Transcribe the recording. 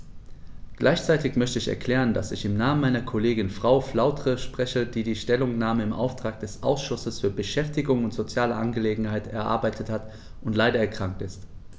Gleichzeitig möchte ich erklären, dass ich im Namen meiner Kollegin Frau Flautre spreche, die die Stellungnahme im Auftrag des Ausschusses für Beschäftigung und soziale Angelegenheiten erarbeitet hat und leider erkrankt ist.